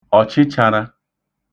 ọ̀chịchārā